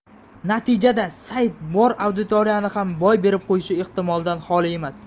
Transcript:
natijada sayt bor auditoriyani ham boy berib qo'yishi ehtimoldan holi emas